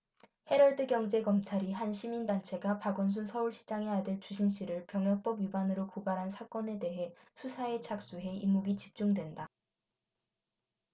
헤럴드경제 검찰이 한 시민단체가 박원순 서울시장의 아들 주신 씨를 병역법 위반으로 고발한 사건에 대해 수사에 착수해 이목이 집중된다